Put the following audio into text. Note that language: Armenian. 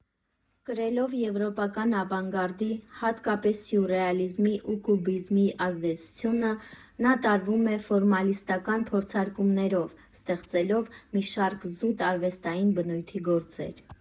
Կրելով եվրոպական ավանգարդի, հատկապես սյուրռեալիզմի ու կուբիզմի ազդեցությունը, նա տարվում է ֆորմալիստական փորձարկումներով, ստեղծելով մի շարք զուտ արվեստային բնույթի գործեր։